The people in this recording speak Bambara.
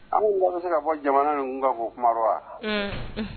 An ko wa bɛ se ka fɔ jamana ninnu tun ka fɔ kuma wa